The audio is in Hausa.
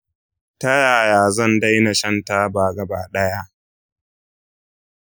ta yaya zan daina shan taba gaba ɗaya?